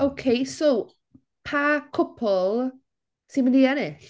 Ok so pa cwpl sy'n mynd i ennill?